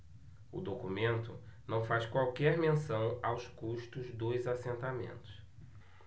o documento não faz qualquer menção aos custos dos assentamentos